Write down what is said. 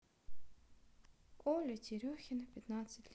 оля терехина пятнадцать лет